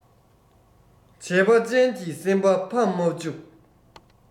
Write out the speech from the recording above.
བྱས པ ཅན གྱི སེམས པ ཕམ མ བཅུག